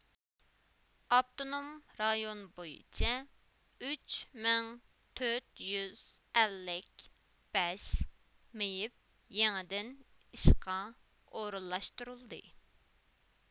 ئاپتونوم رايون بويىچە ئۈچ مىڭ تۆت يۈز ئەللىك بەش مېيىپ يېڭىدىن ئىشقا ئورۇنلاشتۇرۇلدى